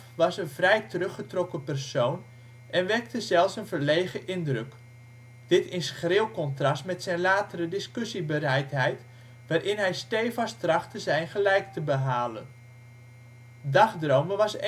vrij teruggetrokken persoon en wekte zelfs een verlegen indruk. Dit in schril contrast met zijn latere discussiebereidheid, waarin hij steevast trachtte zijn gelijk te behalen. Dagdromen was